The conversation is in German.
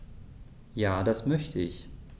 Ja, das möchte ich.